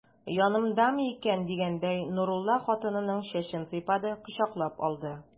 Янымдамы икән дигәндәй, Нурулла хатынының чәчен сыйпады, кочаклап алды.